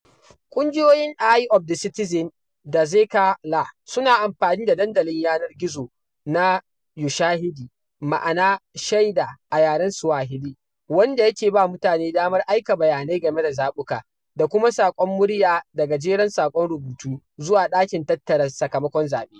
Ƙungiyoyin Eye of the Citizen da Txeka-lá suna amfani da dandalin yanar gizo na Ushahidi (ma’ana “shaida” a yaren Swahili), wanda yake ba mutane damar aika bayanai game da zaɓuka, da kuma saƙon murya da gajeren saƙon rubutu, zuwa “ɗakin tattara sakamakon zaɓe.”